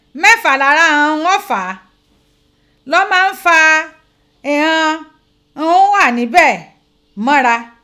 Mẹ́fà lára ighan un ó fà á, ló máa ń fa ighan un ó ghà níbẹ̀ mọ́ra..